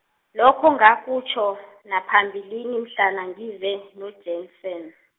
lokho ngakutjho, naphambilini mhlana ngize, noJanson.